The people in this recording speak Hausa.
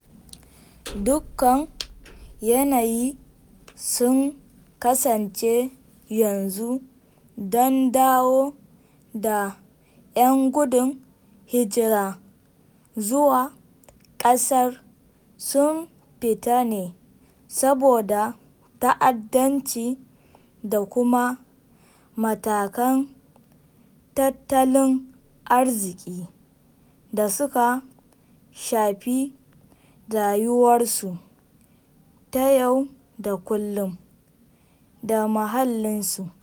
Dukkan yanayi sun kasance yanzu don dawo da 'yan gudun hijirar zuwa kasar sun fita ne saboda ta'addanci da kuma matakan tattalin arziki da suka shafi rayuwarsu ta yau da kullum da muhallin su.